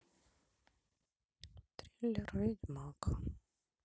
триллер ведьмак